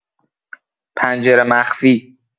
پنجره مخفی